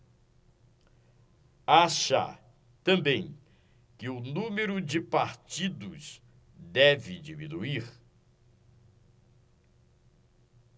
acha também que o número de partidos deve diminuir